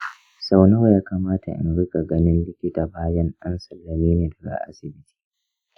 sau nawa ya kamata in riƙa ganin likita bayan an sallame ni daga asibiti?